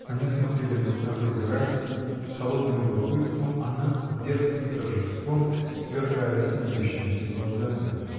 Они смотрели друг на друга: Райский — с холодным любопытством, она — с дерзким торжеством, сверкая смеющимися глазами.